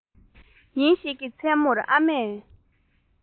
ཉིན ཞིག གི མཚན མོར ཨ མས